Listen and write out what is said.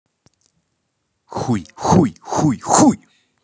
хуй хуй хуй хуй